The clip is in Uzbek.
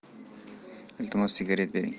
iltimos sigaret bering